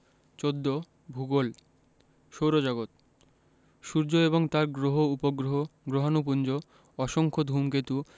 ১৪ ভূগোল সৌরজগৎ সূর্য এবং তার গ্রহ উপগ্রহ গ্রহাণুপুঞ্জ অসংখ্য ধুমকেতু